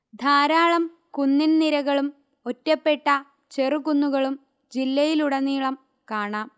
ധാരാളം കുന്നിൻ നിരകളും ഒറ്റപ്പെട്ട ചെറുകുന്നുകളും ജില്ലയിലുടനീളം കാണാം